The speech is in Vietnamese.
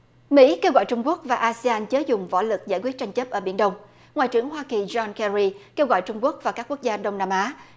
mỹ kêu gọi trung quốc và a sê an chớ dùng võ lực giải quyết tranh chấp ở biển đông ngoại trưởng hoa kỳ gion ke ri kêu gọi trung quốc và các quốc gia đông nam á